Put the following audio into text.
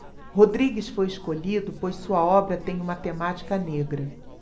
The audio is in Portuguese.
rodrigues foi escolhido pois sua obra tem uma temática negra